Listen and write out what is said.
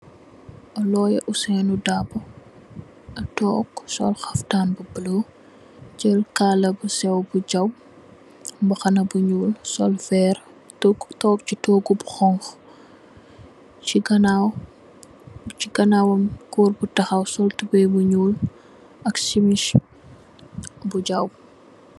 Lawyer Ousainou Darboe tok sol xaftan bu bulo jel kala bu sew bu jaw mbaxana bu nyul so verr tok si togu bu xonxu si ganawam gorr bu taxaw sol tuboy bu nyul ak simiss bu jaw.